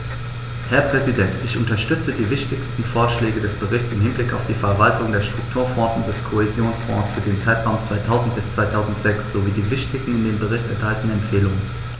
Herr Präsident, ich unterstütze die wichtigsten Vorschläge des Berichts im Hinblick auf die Verwaltung der Strukturfonds und des Kohäsionsfonds für den Zeitraum 2000-2006 sowie die wichtigsten in dem Bericht enthaltenen Empfehlungen.